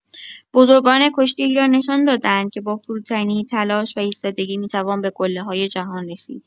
بزرگان کشتی ایران نشان داده‌اند که با فروتنی، تلاش و ایستادگی می‌توان به قله‌های جهان رسید.